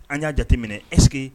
An y'a jateminɛ ɛske